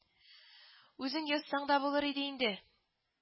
– үзең язсаң да булыр иде инде